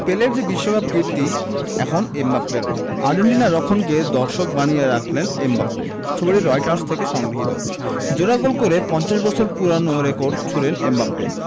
পেলের যে বিশ্বকাপ কীর্তি এখন এমবাপ্পেরও আর্জেন্টিনার রক্ষণকে দর্শক বানিয়ে রাখলেন এমবাপ্পে ছবিটি রয়টার্স থেকে সংগৃহীত জোড়া গোল করে ৫০ বছর পুরোনো রেকর্ড ছুঁলেন এমবাপ্পে